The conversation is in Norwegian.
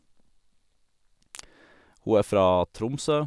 Hun er fra Tromsø.